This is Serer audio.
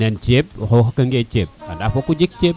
nen ceeb o xoox kange ceeb ande foko jeg ceeb